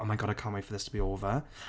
Oh my god I can't wait for this to be over.